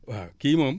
waaw kii moom